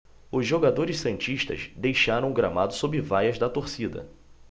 os jogadores santistas deixaram o gramado sob vaias da torcida